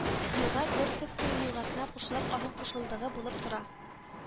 Елга Горьковское елгасына кушылып, аның кушылдыгы булып тора